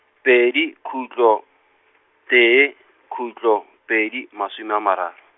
pedi khutlo, tee khutlo, pedi, masome a mararo.